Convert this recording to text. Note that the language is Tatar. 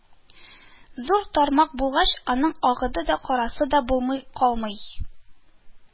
Зур тармак булгач, аның “агы да карасы да” булмый калмый